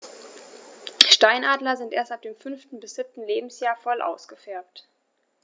Steinadler sind erst ab dem 5. bis 7. Lebensjahr voll ausgefärbt.